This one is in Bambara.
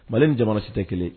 Mali jamana si tɛ kelen